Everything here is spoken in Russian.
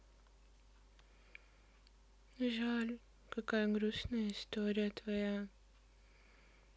жаль какая грустная история твоя